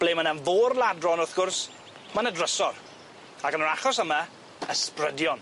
Ble my' 'ny fôr-ladron wrth gwrs ma' ny drysor, ac yn yr achos yma, ysbrydion.